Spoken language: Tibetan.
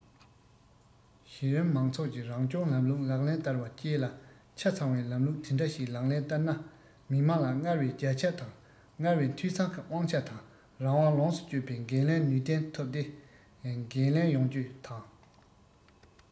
གཞི རིམ མང ཚོགས ཀྱི རང སྐྱོང ལམ ལུགས ལག ལེན བསྟར བ བཅས ལ ཆ ཚང བའི ལམ ལུགས དེ འདྲ ཞིག ལག ལེན བསྟར ན མི དམངས ལ སྔར བས རྒྱ ཁྱབ དང སྔར བས འཐུས ཚང གི དབང ཆ དང རང དབང ལོངས སུ སྤྱོད པའི འགན ལེན ནུས ལྡན ཐུབ སྟེ འགན ལེན ཡོང རྒྱུ དང